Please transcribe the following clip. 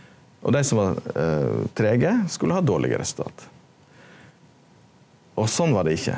og dei som var treige skulle ha dårlegare resultat og sånn var det ikkje.